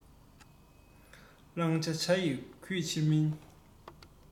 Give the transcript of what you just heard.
བླང བར བྱ ཡི གུས ཕྱིར མིན